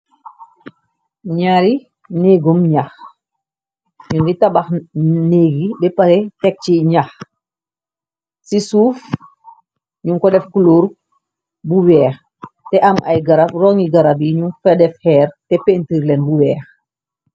Nyaari néggum ñjax ñu ngiy tabax néggi béppale tek ci njax ci suuf ñu ko def kluur bu weex te am ay garab rongi garab yi ñu fa def xeer te pentir leen bu weex.